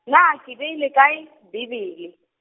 naa ke beile kae, Bibele?